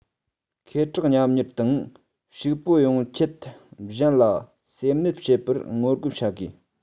ཁེ གྲགས མཉམ གཉེར དང ཕྱུག པོ ཡོང ཆེད གཞན ལ སེམས གནག བྱེད པར ངོ རྒོལ བྱ དགོས